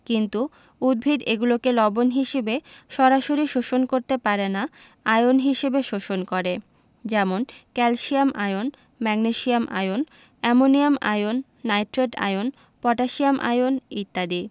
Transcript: কিন্তু উদ্ভিদ এগুলোকে লবণ হিসেবে সরাসরি শোষণ করতে পারে না আয়ন হিসেবে শোষণ করে যেমন calcium ion magnesium ion ammonium ion nitrate ion potassium ion ইত্যাদি